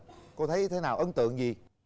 cô thấy thế nào ấn tượng gì